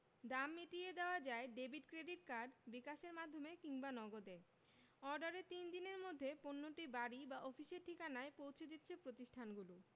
দাম মিটিয়ে দেওয়া যায় ডেভিড ক্রেডিট কার্ড বিকাশের মাধ্যমে কিংবা নগদে অর্ডারের তিন দিনের মধ্যে পণ্যটি বাড়ি বা অফিসের ঠিকানায় পৌঁছে দিচ্ছে প্রতিষ্ঠানগুলো